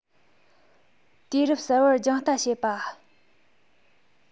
དུས རབས གསར པར རྒྱང ལྟ བྱེད པ